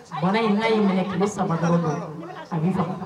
Baara in na in minɛ i saba a bɛ